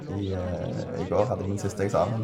i I går hadde jeg min siste eksamen.